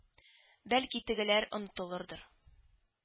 Бәлки тегеләр онытылырдыр